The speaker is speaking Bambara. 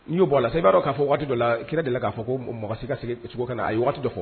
N y'o la sa i'a k'a fɔ waati dɔ la i kira de k'a fɔ ko mɔgɔ ka sigi a ye waati dɔ